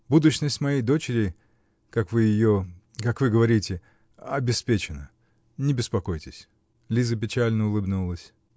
Будущность моей дочери, как вы ее. как вы говорите. обеспечена. Не беспокойтесь. Лиза печально улыбнулась.